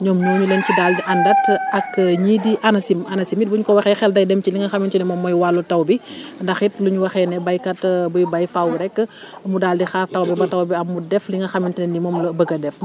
ñoom ñooñu lañ ci daal di àndal ak ñii di ANACIM ANACIM it bu ñu ko waxee xel day dem ci li nga xamante ne moom mooy wàllu taw bi ndax it bu ñu waxee ne béykat buy béy faww rek mu daal di xaar taw bi ba taw bi am mu dem li nga xamante ne nii moom la bëgg a def